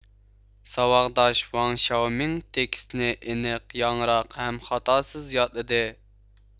ساۋاقداش ۋاڭ شياۋمىڭ تېكىستنى ئېنىق ياڭراق ھەم خاتاسىز يادلىدى